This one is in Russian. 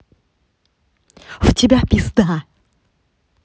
у тебя пизда